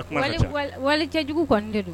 Wali wali cɛjugu kɔni de don